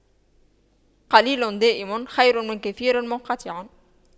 قليل دائم خير من كثير منقطع